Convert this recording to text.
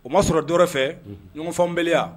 O ma sɔrɔ dɔw fɛ ɲɔgɔnfanbya